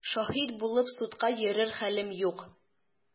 Шаһит булып судка йөрер хәлем юк!